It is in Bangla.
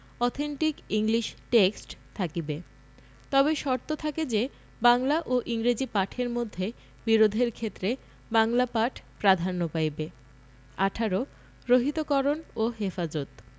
অথেন্টিক ইংলিশ টেক্সট থাকিবে তবে শর্ত থাকে যে বাংলা ও ইংরেজী পাঠের মধ্যে বিরোধের ক্ষেত্রে বাংলা পাঠ প্রাধান্য পাইবে ১৮ রহিতকরণ ও হেফাজত